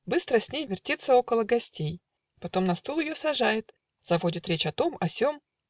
Быстро с ней Вертится около гостей, Потом на стул ее сажает, Заводит речь о том о сем